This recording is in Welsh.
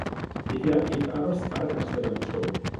Ceith 'i ar- ceiff aros ar yr rhestyr am y tro.